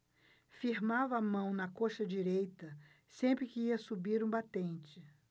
firmava a mão na coxa direita sempre que ia subir um batente